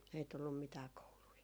ei tullut mitään kouluja